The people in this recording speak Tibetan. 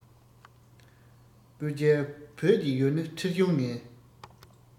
པུར རྒྱལ བོད ཀྱི ཡུལ ནི ཁྲེལ གཞུང ངན